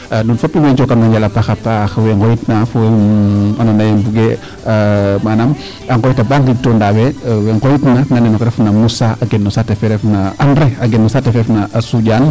Nuun fop in way njooka nuun a njal a paax, a paax we ngoyitna fo manaam ngoyta ba nqij to ndaawee we ngoyitna nand nen oxe ref na Mousa a gen no saate fe ref na Andre a gen no saate fe ref na a Soundiane.